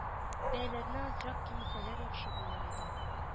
Бәяләрне азрак киметсәләр яхшы булыр иде